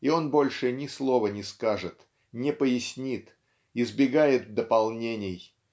и он больше ни слова не скажет не пояснит избегает дополнений